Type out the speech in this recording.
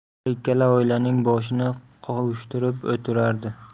har ikkala oilaning boshini qovushtirib o'tirar edi